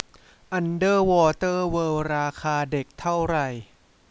อันเดอร์วอเตอร์เวิล์ดราคาเด็กเท่าไหร่